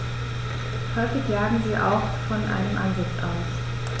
Häufig jagen sie auch von einem Ansitz aus.